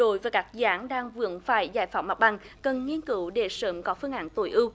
đối với các dự án đang vướng phải giải phóng mặt bằng cần nghiên cứu để sớm có phương án tối ưu